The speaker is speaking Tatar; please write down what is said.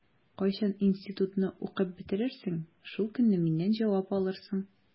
Кайчан институтны укып бетерерсең, шул көнне миннән җавап алырсың.